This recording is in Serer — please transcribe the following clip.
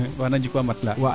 waana njik waa matela :gfra